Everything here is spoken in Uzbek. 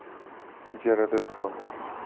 ijarada turamiz